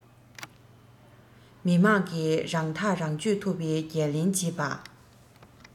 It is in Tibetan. མི དམངས ཀྱིས རང ཐག རང གཅོད ཐུབ པའི འགན ལེན བྱེད པ